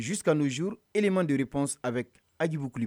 Zus sanzourema dereps a bɛ ajbukulu